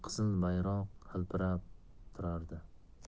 bayroqlar hilpirab turardi